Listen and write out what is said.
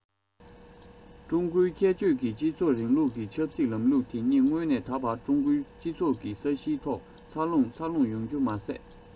ཀྲུང གོའི ཁྱད ཆོས ཀྱི སྤྱི ཚོགས རིང ལུགས ཀྱི ཆབ སྲིད ལམ ལུགས དེ ཉིད སྔོན ནས ད བར ཀྲུང གོའི སྤྱི ཚོགས ཀྱི ས གཞིའི ཐོག འཚར ལོངས འཚར ལོངས ཡོང རྒྱུ མ ཟད